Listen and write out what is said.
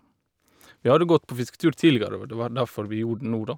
Vi hadde gått på fisketur tidligere, og det var derfor vi gjorde det nå, da.